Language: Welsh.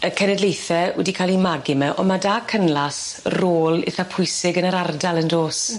Y cenedlaethe wedi ca'l 'u magu 'my on' ma' 'da Cynlas rôl itha pwysig yn yr ardal yndos?